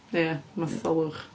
Ia, Matholwch.